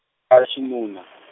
a xinuna.